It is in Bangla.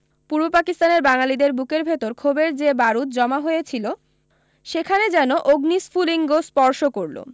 পূর্ব পাকিস্তানের বাঙালিদের বুকের ভেতর ক্ষোভের যে বারুদ জমা হয়ে ছিল সেখানে যেন অগ্নিস্ফূলিঙ্গ স্পর্শ করল